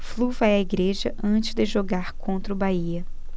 flu vai à igreja antes de jogar contra o bahia